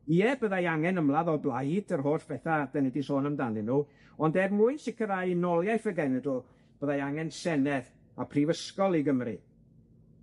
Ie, byddai angen ymladd o blaid yr holl betha 'dan ni 'di sôn amdanyn nw ond er mwyn sicrhau unoliaeth y genedl, byddai angen senedd a prifysgol i Gymru.